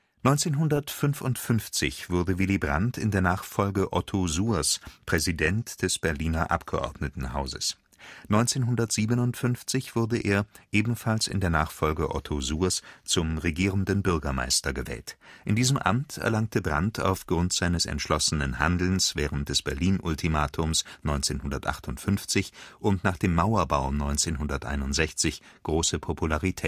1955 wurde Willy Brandt in der Nachfolge Otto Suhrs Präsident des Berliner Abgeordnetenhauses. 1957 wurde er, ebenfalls in der Nachfolge Otto Suhrs, zum Regierenden Bürgermeister gewählt. In diesem Amt erlangte Brandt aufgrund seines entschlossenen Handelns während des Berlin-Ultimatums 1958 und nach dem Mauerbau 1961 große Popularität